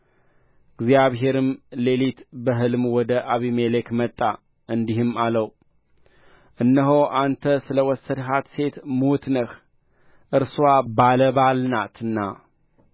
እግዚአብሔርም ሌሊት በሕልም ወደ አቢሜሌክ መጣ እንዲህም አለው እነሆ አንተ ስለ ወሰድሃት ሴት ምውት ነህ እርስዋ ባለ ባል ናትና